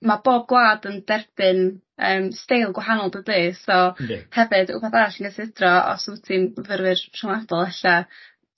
ma' bob gwlad yn derbyn yym steil gwahanol dydi so... Yndi. ...hefyd wpath arall i gysidro os wt ti'n fyfyrwyr rhyngwladol e'lla